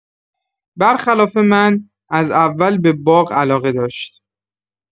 برخلاف من، از اول به باغ علاقه داشت.